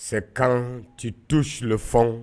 Sɛɛkan ti tusu le fɔn